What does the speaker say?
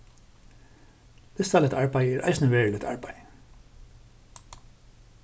listarligt arbeiði er eisini veruligt arbeiði